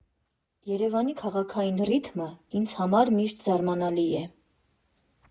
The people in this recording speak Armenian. Երևանի քաղաքային ռիթմը ինձ համար միշտ զարմանալի է։